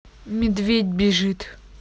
медведь бежит